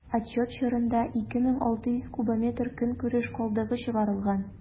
Отчет чорында 2600 кубометр көнкүреш калдыгы чыгарылган.